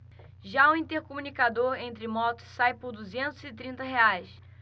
já o intercomunicador entre motos sai por duzentos e trinta reais